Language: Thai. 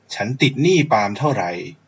ฉันติดหนี้ปาล์มเท่าไร